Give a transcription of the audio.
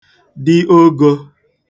dị ogō